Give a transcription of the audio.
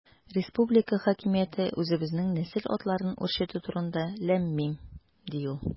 Республика хакимияте үзебезнең нәсел атларын үрчетү турында– ләм-мим, ди ул.